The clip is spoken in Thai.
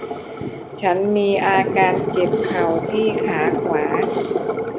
ฉันมีอาการเจ็บเข่าที่ขาขวา